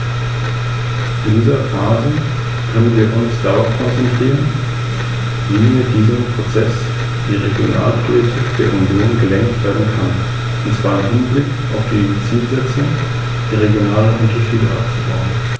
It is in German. Gestatten Sie mir noch einen letzten Hinweis.